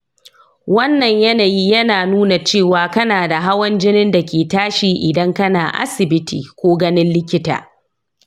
wannan yanayi yana nuna cewa kanada hawan jinin dake tashi idan kana asibiti ko ganin likita.